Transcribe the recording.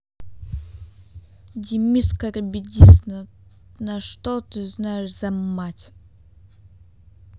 демис карибидис на что ты знаешь за мать